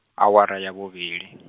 awara ya vhuvhili .